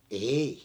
ei